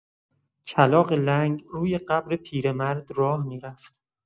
کلاغ لنگ روی قبر پیرمرد راه می‌رفت.